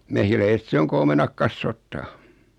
mehiläiset se on kun omenat kasvattaa